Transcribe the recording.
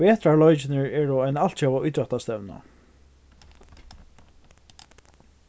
vetrarleikirnir eru ein altjóða ítróttastevna